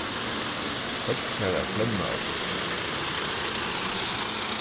fólk fara at flenna at tykkum